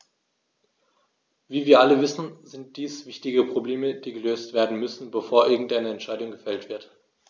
Wie wir alle wissen, sind dies wichtige Probleme, die gelöst werden müssen, bevor irgendeine Entscheidung gefällt wird.